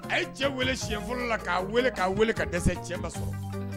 A ye cɛ weele si fɔlɔ la k'a weele k'a weele ka dɛsɛ cɛba sɔrɔ